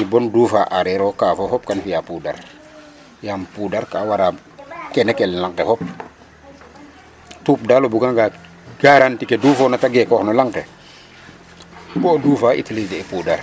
I bon duafa aareer ro kaaf o fop kan fi'aa pudar yaam pudar ka wara kene ken lang ke fop tuub daal o bugangaa garentit ke duufoona ta gekoox no lang ke bo o duufaa utiliser i pudar